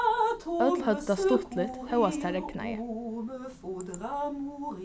øll høvdu tað stuttligt hóast tað regnaði